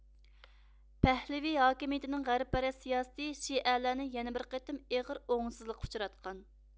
پەھلىۋى ھاكىمىيىتىنىڭ غەربپەرەس سىياسىتى شىئەلەرنى يەنە بىر قېتىم ئېغىر ئوڭۇشسىزلىققا ئۇچراتقان